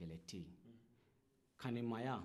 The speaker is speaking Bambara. kɛlɛ tɛ yen kanimɛya